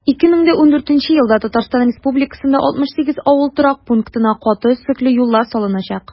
2014 елда татарстан республикасында 68 авыл торак пунктына каты өслекле юллар салыначак.